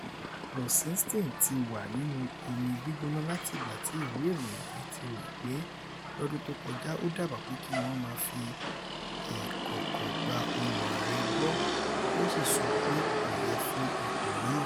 Rosenstein ti wà nínú omi gbígbóná látìgbà tí ìwé ìròyìn yìí ti ròyìn pé, lọ́dún tó kọjá, ó dábàá pé kí wọ́n máa fi ìkọ̀kọ̀ gba ohùn ààrẹ gbọ́, ó sì sọ pé kò yẹ fún ipò náà.